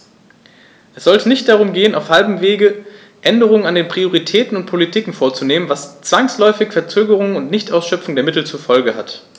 Es sollte nicht darum gehen, auf halbem Wege Änderungen an den Prioritäten und Politiken vorzunehmen, was zwangsläufig Verzögerungen und Nichtausschöpfung der Mittel zur Folge hat.